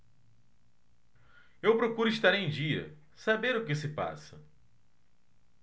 eu procuro estar em dia saber o que se passa